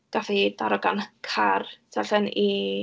gath ei daro gan car tu allan i...